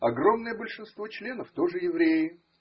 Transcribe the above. огромное большинство членов – тоже евреи.